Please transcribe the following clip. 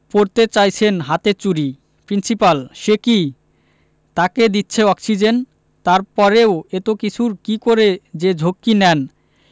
পরতে চাইছেন হাতে চুড়ি প্রিন্সিপাল সে কি তাকে দিচ্ছে অক্সিজেন তারপরেও এত কিছুর কি করে যে ঝক্কি নেন